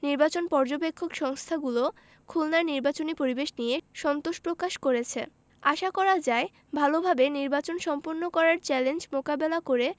নির্বাচন পর্যবেক্ষক সংস্থাগুলো খুলনার নির্বাচনী পরিবেশ নিয়ে সন্তোষ প্রকাশ করেছে আশা করা যায় ভালোভাবে নির্বাচন সম্পন্ন করার চ্যালেঞ্জ মোকাবেলা করে